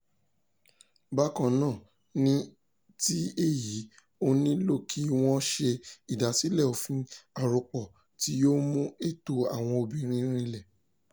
Bákan náà ni ti èyí, ó nílò kí wọ́n ṣe ìdásílẹ̀ òfin arọ́pò tí yóò mú ẹ̀tọ́ àwọn obìnrin rinlẹ̀.